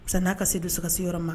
Fisa n'a ka se dusukasi yɔrɔ ma